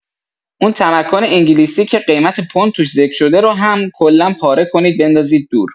اون تمکن انگلیسی که قیمت پوند توش ذکر شده رو هم کلا پاره کنید بندازید دور.